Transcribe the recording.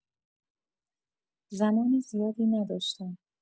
زمان زیادی نداشتم.